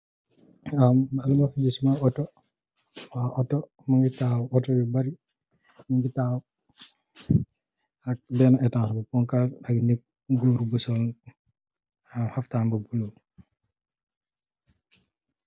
Lu ma fi gis mooy Otto, Otto I ñungi taxaw, Otto yu bari ñu ngi taxaw, ak ay etaas bu gudu, goor gu sol, xaftaan bu bulo.